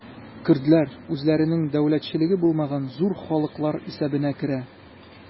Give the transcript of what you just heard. Көрдләр үзләренең дәүләтчелеге булмаган зур халыклар исәбенә керә.